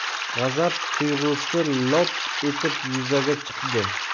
g'azab tuyg'usi lop etib yuzaga chiqdi